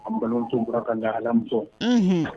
An balima bɔra kaga alamu